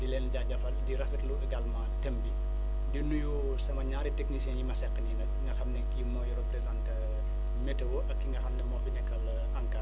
di leen jaajëfal di rafetlu également thème :ra bi di nuyu sama ñaari techniciens yi ma seq nii nag ki nga xam ne kii mooy représenter météo ak ki nga xam ne moo f nekkal ANCAR